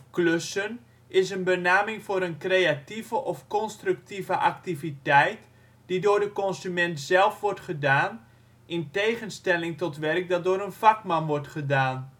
klussen is een benaming voor een creatieve of constructieve activiteit die door de consument zelf wordt gedaan, in tegenstelling tot werk dat door een vakman wordt gedaan